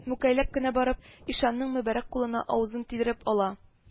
Мүкәйләп кенә барып, ишанның мөбарәк кулына авызын тидереп ала